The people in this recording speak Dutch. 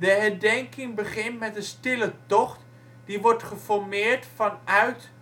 herdenking begint met een stille tocht die wordt geformeerd vanuit